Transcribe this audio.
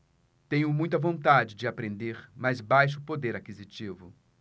tenho muita vontade de aprender mas baixo poder aquisitivo